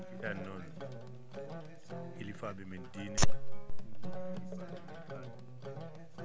e ɓee ɗon ne hilifaaɓe men diine